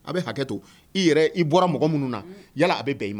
A bɛ hakɛ to i yɛrɛ i bɔra mɔgɔ minnu na yala a bɛ bɛn i ma